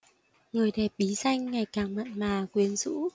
người đẹp bí danh ngày càng mặn mà quyến rũ